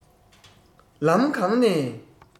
ལམ གང ནས